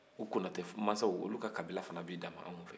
o konatɛ masaw olu ka kabila fana b'i dan ma anw fɛ